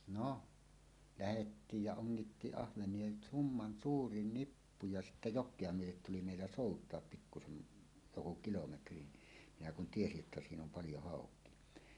no lähettiin ja ongittiin ahvenia summan suuri nippu ja sitten jokea myöten tuli meillä soutaa pikkuisen joku kilometri minä kun tiesin että siinä on paljon haukia